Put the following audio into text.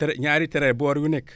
trait ñaari traits boor yu nekk